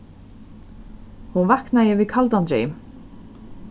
hon vaknaði við kaldan dreym